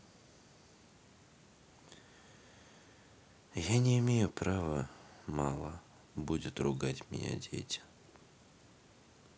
я не имею право мало будет ругать меня дети